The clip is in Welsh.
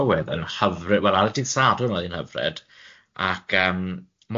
tywydd yn hyfryd, wel ar y dydd Sadwrn odd hi'n hyfryd, ac yym